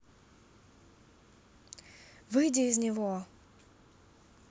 выйди из него